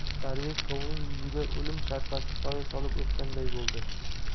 darvesh govning yuziga o'lim sharpasi soya solib o'tganday bo'ldi